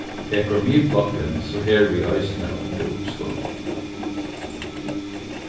tekur miðflokkurin so hervið eisini undir uppskotinum